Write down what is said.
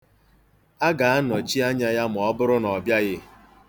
A ga-anọchi anya ya ma ọ bụrụ na ọ bịaghị.